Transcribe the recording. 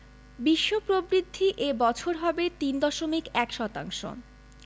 বিশ্ব প্রবৃদ্ধি এ বছর হবে ৩.১ শতাংশ